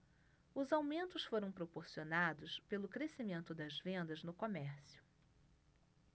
os aumentos foram proporcionados pelo crescimento das vendas no comércio